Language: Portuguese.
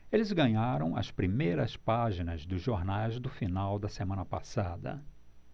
eles ganharam as primeiras páginas dos jornais do final da semana passada